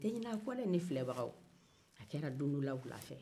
a kɛra don dɔ wulafɛ